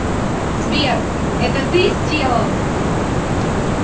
сбер это ты сделал